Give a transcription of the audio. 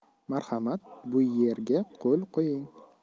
marhamat bu yerga qo'l qo'ying